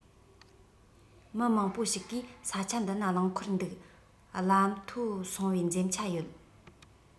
མི མང པོ ཞིག གིས ས ཆ འདི ན རླངས འཁོར འདུག གླ མཐོ སོང བའི འཛེམ ཆ ཡོད